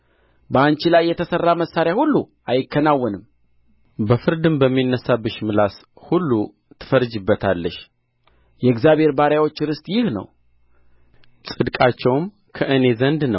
በአንቺ ላይ የተሠራ መሣሪያ ሁሉ አይከናወንም በፍርድም በሚነሣብሽ ምላስ ሁሉ ትፈርጂበታለሽ የእግዚአብሔር ባሪያዎች ርስት ይህ ነው ጽድቃቸውም ከእኔ ዘንድ ነው